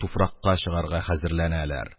Туфракка чыгарга хәзерләнәләр.